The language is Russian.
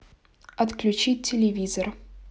отключить телевизор